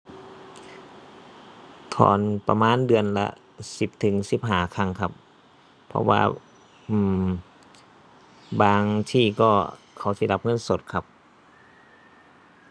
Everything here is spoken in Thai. ถอนประมาณเดือนละสิบถึงสิบห้าครั้งครับ เพราะว่า อืม บางที่ก็เขาสิรับเงินสดครับ